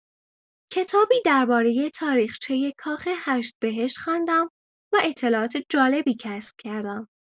کتابی درباره تاریخچه کاخ هشت‌بهشت خواندم و اطلاعات جالبی کسب کردم.